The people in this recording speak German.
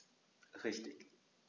Richtig